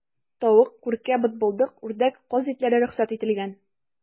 Тавык, күркә, бытбылдык, үрдәк, каз итләре рөхсәт ителгән.